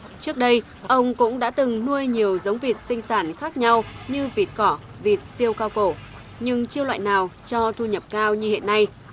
trước đây ông cũng đã từng nuôi nhiều giống vịt sinh sản khác nhau như vịt cỏ vịt siêu cao cổ nhưng chưa loại nào cho thu nhập cao như hiện nay